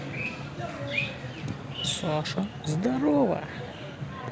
саша здорово